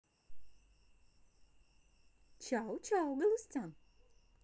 чао чао галустян